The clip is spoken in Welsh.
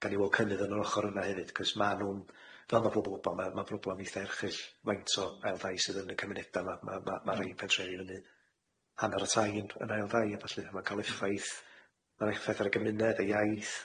gawn ni weld cynnydd yn yr ochor yna hefyd chos ma' nw'n fel ma' pobol 'n wbo ma' ma' problem eitha erchyll faint o ail dai sydd yn y cymuneda 'ma, ma' ma' ma' rei pentrefi fyny hanner y tai'n yn ail dai aballu a ma'n ca'l effaith- ma'r effaith ar y gymuned, y iaith,